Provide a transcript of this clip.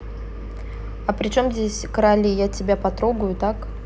а причем здесь короли я тебя потрогаю и так